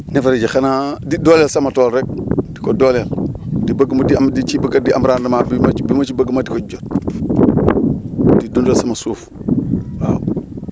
neefere ji xanaa di dooleel sama tool rek di ko dooleel di bëgg mu di am di ci bëgg di am rendement bi ma ci bi ma ci bëgg ma di ko si jot di dundal sama suuf waaw